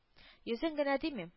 – йөзең генә димим